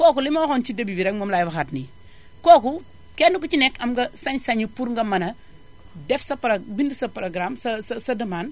kooku li ma waxoon ci début bi rekk moom laay waxaat nii kooku kenn ku ci nekk am nga sañ-sañu pour nga mën a def sa pro bind sa programme sa sa sa demande